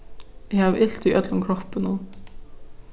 eg havi ilt í øllum kroppinum